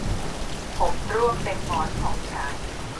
ผมร่วงเต็มหมอนของฉัน